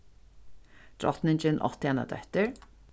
drotningin átti eina dóttur